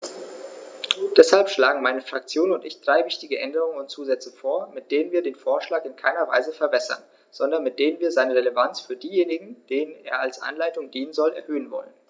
Deshalb schlagen meine Fraktion und ich drei wichtige Änderungen und Zusätze vor, mit denen wir den Vorschlag in keiner Weise verwässern, sondern mit denen wir seine Relevanz für diejenigen, denen er als Anleitung dienen soll, erhöhen wollen.